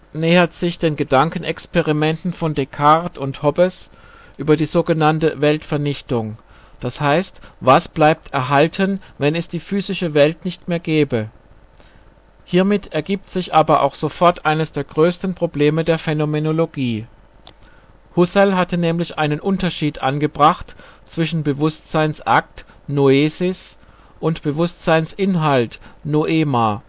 nähert sich den Gedankenexperimenten von Descartes und Hobbes über die so genannte " Weltvernichtung " (d.h. was bleibt erhalten, wenn es die physische Welt nicht mehr gäbe?). Hiermit ergibt sich aber auch sofort eines der größten Probleme der Phänomenologie. Husserl hatte nämlich einen Unterschied angebracht zwischen Bewusstseins-Akt (Noesis) und Bewusstseins-Inhalt (Noema